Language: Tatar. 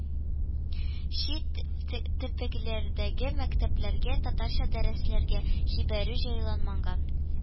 Чит төбәкләрдәге мәктәпләргә татарча дәреслекләр җибәрү җайланмаган